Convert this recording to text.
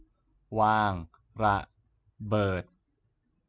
วางระเบิด